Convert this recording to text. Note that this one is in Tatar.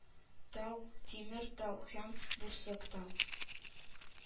Тау, тимер тау һәм бурсык тау